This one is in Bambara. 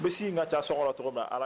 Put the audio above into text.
N bɛ in ka ca so tɔgɔ ala